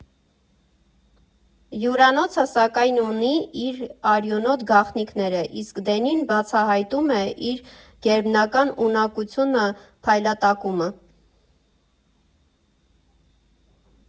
Հյուրանոցը, սակայն, ունի իր արյունոտ գաղտնիքները, իսկ Դենին բացահայտում է իր գերբնական ունակությունը՝ փայլատակումը։